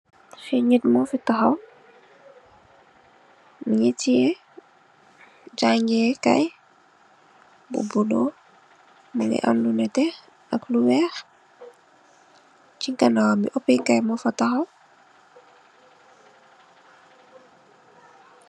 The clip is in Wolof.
Fii nitt mofi takhaw, mungy tiyeh jaangeh bu bleu, mungy am lu nehteh ak lu wekh, chi ganawam bii ohhpeh kaii mofa takhaw